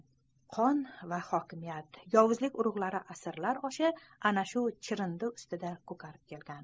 qon va hokimiyat yovuzlik urug'lari asrlar osha ana shu chirindi ustida ko'karib kelgan